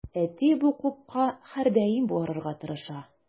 Әти бу клубка һәрдаим барырга тырыша.